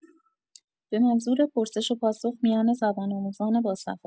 به منظور پرسش و پاسخ میان زبان آموزان باصفا